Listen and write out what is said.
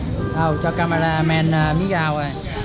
đâu cho cameraman miếng rau coi